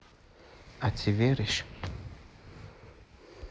а ты врешь